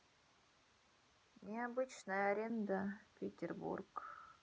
необычная аренда петербург